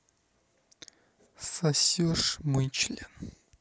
сосешь мой член